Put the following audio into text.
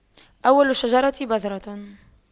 أول الشجرة بذرة